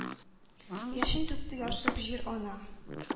Яшен түкте ярсып җир-ана.